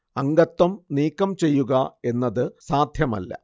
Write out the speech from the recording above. അംഗത്വം നീക്കം ചെയ്യുക എന്നത് സാധ്യമല്ല